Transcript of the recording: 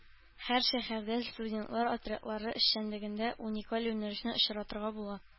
Һәр шәһәрдә студентлар отрядлары эшчәнлегендә уникаль юнәлешне очратырга була